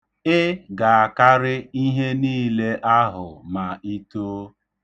Ị ga-akarị ihe niile ahụ ma i too.